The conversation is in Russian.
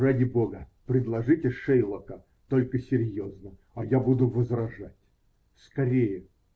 Ради Бога, предложите "Шейлока", только серьезно, а я буду возражать. Скорее!